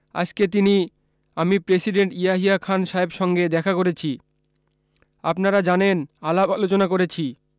আইজকে তিনি আমি প্রেসিডেন্ট ইয়াহিয়া খান সাহেব সংগে দেখা করেছি আপনারা জানেন আলাপ আলোচনা করেছি